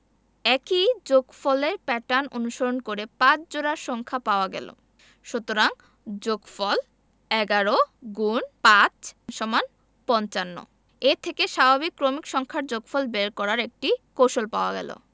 একই যোগফলের প্যাটার্ন অনুসরণ করে ৫ জোড়া সংখ্যা পাওয়া গেল সুতরাং যোগফল ১১*৫=৫৫ এ থেকে স্বাভাবিক ক্রমিক সংখ্যার যোগফল বের করার একটি কৌশল পাওয়া গেল